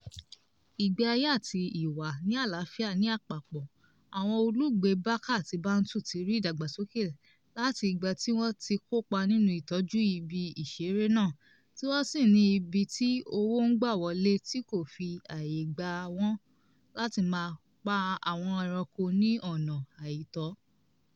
Ìgbé ayé àti ìwà ní àlàáfíà ní àpapọ̀ àwọn olùgbé Baka àti Bantu tí rí ìdàgbàsókè láti ìgbà tí wọ́n ti kópa nínú ìtọ́jú ibi ìṣeré náà, tí wọ́n sì ní ibi tí owó ń gbà wọlé tí kò fi ààyè gbà wọ́n láti máa pa àwọn ẹranko ní ọ̀nà àìtọ́.